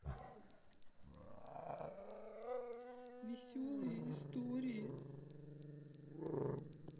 веселые истории